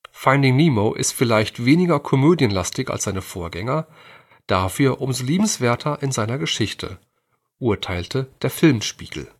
Finding Nemo « ist vielleicht weniger komödienlastig als seine Vorgänger, dafür umso liebenswerter in seiner Geschichte “, urteilte der Filmspiegel